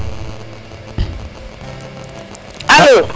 alo